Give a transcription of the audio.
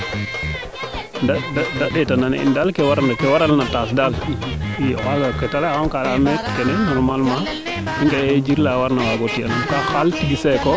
de ndeeta in daal ke warna taas daal i o xaaga ke te ley a xama ke leyaame normalement ga'e jir la warna waago fiyel ka xa qol a seeko